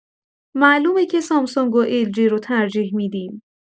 معلومه که سامسونگ و ال‌جی رو ترجیح می‌دیم.